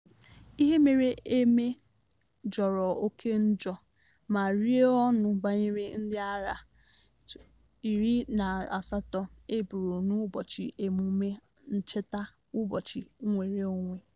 Ihe mere eme jọrọ oke njọ ma rie ọnụ banyere ndị agha 28 e gburu n'Ụbọchị Emume Nncheta Ụbọchị Nnwereonwe